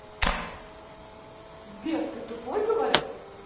сбер ты тупой говорят